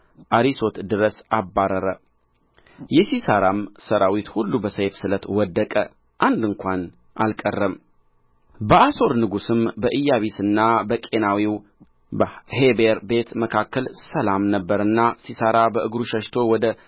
አሪሶት ድረስ አባረረ የሲሣራም ሠራዊት ሁሉ በሰይፍ ስለት ወደቀ አንድ እንኳ አልቀረም በአሶር ንጉሥም በኢያቢስና በቄናዊው በሔቤር ቤት መካከል ሰላም ነበረና ሲሣራ በእግሩ ሸሽቶ ወደ